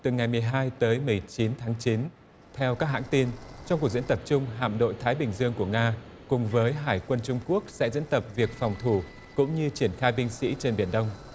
từ ngày mười hai tới mười chín tháng chín theo các hãng tin trong cuộc diễn tập chung hạm đội thái bình dương của nga cùng với hải quân trung quốc sẽ diễn tập việc phòng thủ cũng như triển khai binh sĩ trên biển đông